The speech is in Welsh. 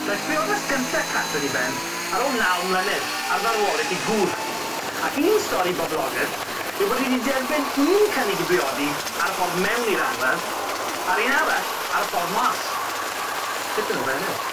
Daeth priodas gynta Catrin i ben ar ôl naw mlynedd ar farwolaeth ei gŵr ac un stori boblogedd yw bod 'i 'di derbyn un cynnig i briodi ar y ffor mewn i'r angladd a'r un arall ar y ffor mas. Tipyn o fenyw.